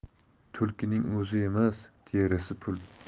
tulkining o'zi emas terisi pul